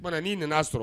O kuman n'i nana a sɔrɔ